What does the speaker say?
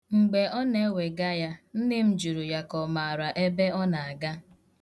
Mgbe ọ na-ewega ya, nne m jụrụ ya ka ọ mara ebe ọ na-aga.